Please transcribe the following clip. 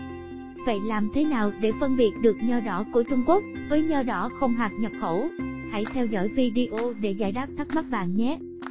vậy làm thế nào để phân biệt được nho đỏ của trung quốc với nho đỏ không hạt nhập khẩu hãy theo dõi video để giải đáp thắc mắc bạn nhé